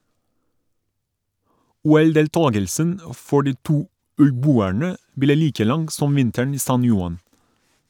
OL-deltagelsen for de to øyboerne ble like lang som vinteren i San Juan.